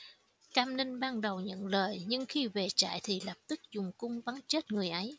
cam ninh ban đầu nhận lời nhưng khi về trại thì lập tức dùng cung bắn chết người này